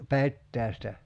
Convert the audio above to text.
petäjästä